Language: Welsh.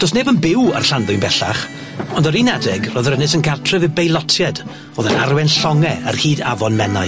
Do's neb yn byw ar Llanddwyn bellach, ond ar un adeg roedd yr Ynys yn gartref i beilotied, o'dd yn arwen llongau ar hyd Afon Menai.